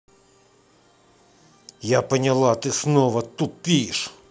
я поняла ты снова тупишь